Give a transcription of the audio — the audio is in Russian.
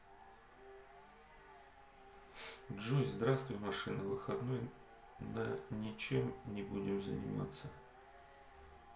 джой здравствуй машина выходной на ничем не будут заниматься